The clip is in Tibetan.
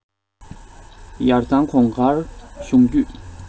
ཡར གཙང གོང དཀར གཞུང བརྒྱུད